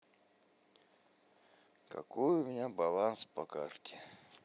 какой у меня баланс по карте